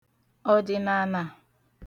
ọ̀dị̀nàànà